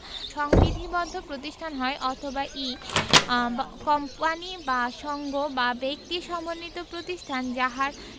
সংবিধিবদ্ধ প্রতিষ্ঠান হয় অথবা ই কোম্পানী বা সঙ্গ বা ব্যক্তি সমন্বিত প্রতিষ্ঠান যাহার